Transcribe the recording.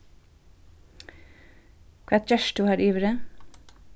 hvat gert tú har yviri